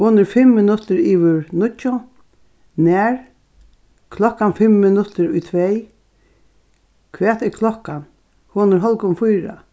hon er fimm minuttir yvir níggju nær klokkan fimm minuttir í tvey hvat er klokkan hon er hálvgum fýra